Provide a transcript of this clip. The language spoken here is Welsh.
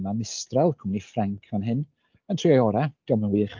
ma' Mistral cwmni Ffrainc fan hyn yn trio ei orau 'di o'm yn wych.